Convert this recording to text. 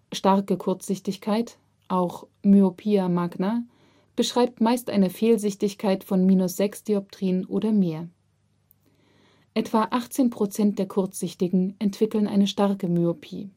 Starke Kurzsichtigkeit (auch: Myopia magna) beschreibt meist eine Fehlsichtigkeit von −6,00 dpt oder mehr. Etwa 18 % der Kurzsichtigen entwickeln eine starke Myopie